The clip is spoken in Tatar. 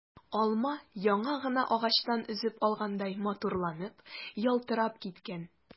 Алма яңа гына агачыннан өзеп алгандай матурланып, ялтырап киткән.